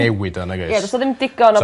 ...newid o nagoes? Ie do'n 'n ddim digon o...